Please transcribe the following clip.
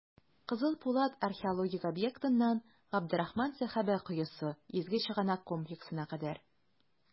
«кызыл пулат» археологик объектыннан "габдрахман сәхабә коесы" изге чыганак комплексына кадәр.